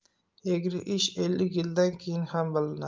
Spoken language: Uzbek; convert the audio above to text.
egri ish ellik yildan keyin ham bilinar